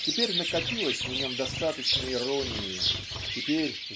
теперь накопилось в нем достаточно иронии теперь